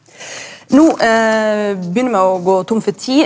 no begynner me å gå tom for tid.